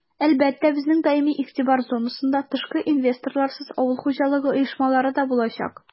Әлбәттә, безнең даими игътибар зонасында тышкы инвесторларсыз авыл хуҗалыгы оешмалары да булачак.